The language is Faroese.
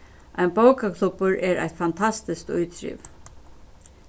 ein bókaklubbur er eitt fantastiskt ítriv